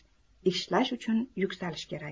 ishlash uchun yuksalish kerak